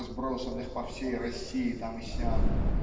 разбросанных по всей России там и сям